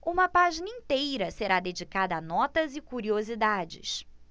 uma página inteira será dedicada a notas e curiosidades